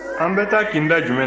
an bɛ taa kinda jumɛn na